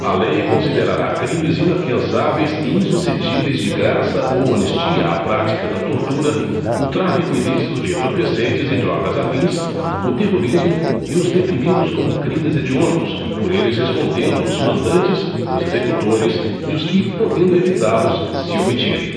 a lei considerará crimes inafiançáveis e insuscetíveis de graça ou anistia a prática da tortura o tráfico ilícito de entorpecentes e drogas afins o terrorismo e os definidos como crimes hediondos por eles respondendo os mandantes os executores e os que podendo evitá los se omitirem